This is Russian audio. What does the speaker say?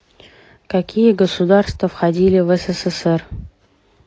какие государства входили в ссср